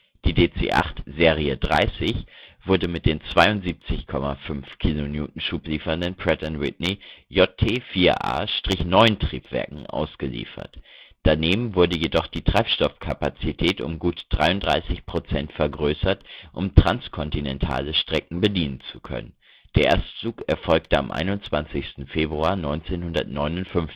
Die DC-8 Serie 30 wurde mit den 72,50 kN Schub liefernden Pratt & Whitney JT4A-9-Triebwerken ausgeliefert. Daneben wurde jedoch die Treibstoffkapazität um gut 33 Prozent vergrößert, um transkontinentale Strecken bedienen zu können. Der Erstflug erfolgte am 21. Februar 1959